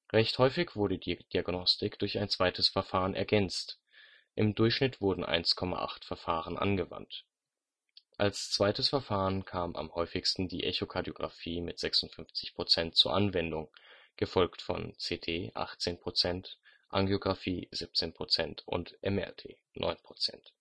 Recht häufig wurde die Diagnostik durch ein zweites Verfahren ergänzt, im Durchschnitt wurden 1,8 Verfahren angewandt. Als zweites Verfahren kam am häufigsten die Echokardiografie (56 %) zur Anwendung, gefolgt von CT (18 %), Angiografie (17 %) und MRT (9 %